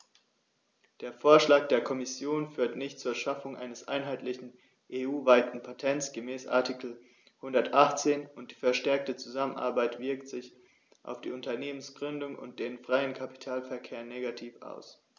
Der Vorschlag der Kommission führt nicht zur Schaffung eines einheitlichen, EU-weiten Patents gemäß Artikel 118, und die verstärkte Zusammenarbeit wirkt sich auf die Unternehmensgründung und den freien Kapitalverkehr negativ aus.